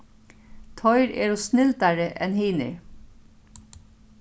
teir eru snildari enn hinir